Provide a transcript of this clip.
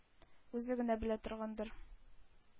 Үзе генә белә торгандыр.